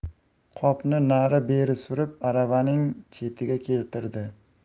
qopni nari beri surib aravaning chetiga keltirdi